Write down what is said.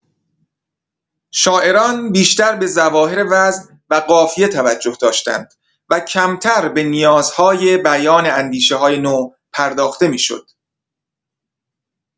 شاعران بیشتر به ظواهر وزن و قافیه توجه داشتند و کمتر به نیازهای بیان اندیشه‌های نو پرداخته می‌شد.